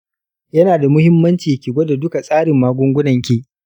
yana da muhimmanci ki gama duka tsarin magungunan ki.